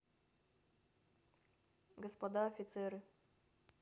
господа офицеры